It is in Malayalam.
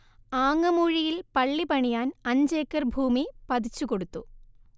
ആങ്ങമൂഴിയിൽ പള്ളി പണിയാൻ അഞ്ചേക്കർ ഭൂമി പതിച്ചു കൊടുത്തു